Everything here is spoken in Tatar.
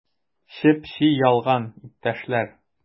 Чеп-чи ялган, иптәшләр!